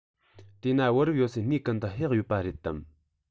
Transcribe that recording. དེ ན བོད རིགས ཡོད སའི གནས ཀུན ཏུ གཡག ཡོད པ རེད དམ